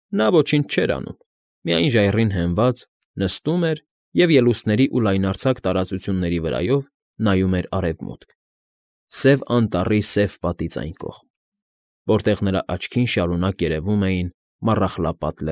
Նա ոչինչ չէր անում, միայն ժայռին հենված, նստում էր և ելուստների ու լայնարձակ տարածությունների վրայով նայում էր արևմուտք՝ Սև Անտառի սև պատից այն կողմ, որտեղ նրա աչքին շարունակ երևում էին Մառախլապատ։